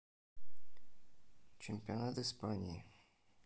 чемпионат испании